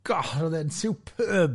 Gosh, oedd e'n superb.